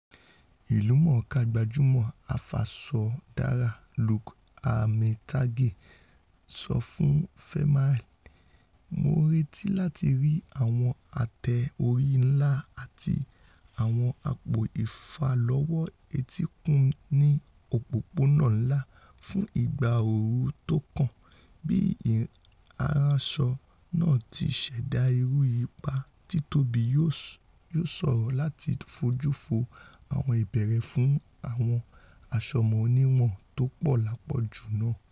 Ìlúmọ̀ọ́ká gbajúmọ̀ afasọdárà Luke Armitage sọ fún FEMAIL: ''Mo ńretí láti rí àwọn ate-ori ńlá àti awọn àpò ìfàlọ́wọ́ etíkun ní òpópónà ńlá fún ìgba ooru tókàn - bí aránsọ náà ti ṣèdá irú ipa títóbi yóò ṣòro láti fóju fo àwọn ìbéèrè fún àwọn àṣomọ́ oníwọ̀n-tópọ̀lápọ̀jù náà.